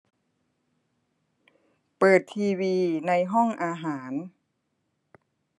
เปิดทีวีในห้องอาหาร